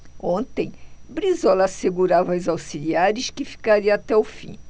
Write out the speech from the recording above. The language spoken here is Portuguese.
ontem brizola assegurava aos auxiliares que ficaria até o fim